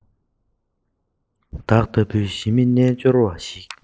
བདག ལྟ བུའི ཞི མི རྣལ འབྱོར བ ཞིག